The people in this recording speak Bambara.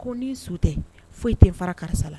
Ko ni su tɛ foyi tɛ fara karisa la